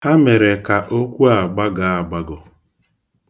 Ha mere ka okwu a gbagọọ agbagọ